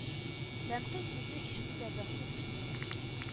Тәнкыйть сүзе ишетү дә бәхет